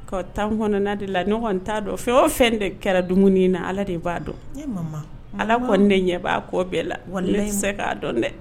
Kɔ temps kɔnɔna de la ne kɔni t'a dɔn fɛ o fɛn de kɛra dumuni in na Ala de b'a dɔn e maman maman Ala kɔni de ɲɛb'a ko bɛɛ la walahi ma ne ti se k'a dɔn dɛ